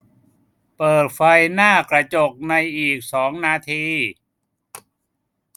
เปิดไฟหน้ากระจกในอีกสองนาที